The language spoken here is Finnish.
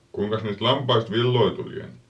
kuinkas niistä lampaista villoja tuli ennen